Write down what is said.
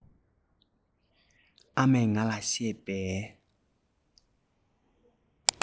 ཨ མས ང ལ བཤད པའི